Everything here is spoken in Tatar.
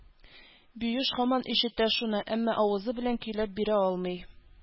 Биюш һаман ишетә шуны, әмма авызы белән көйләп бирә алмый.